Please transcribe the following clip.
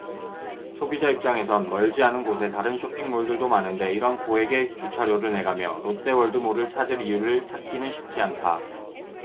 소비자 입장에선 멀지 않은 곳에 다른 쇼핑 몰들도 많은데 이런 고액의 주차료를 내가며 롯데월드몰을 찾을 이유를 찾기는 쉽지 않다